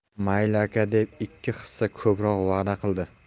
mayli aka deb ikki hissa ko'proq va'da qildi